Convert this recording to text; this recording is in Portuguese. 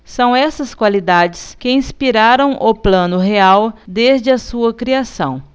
são essas qualidades que inspiraram o plano real desde a sua criação